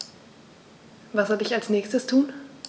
Was soll ich als Nächstes tun?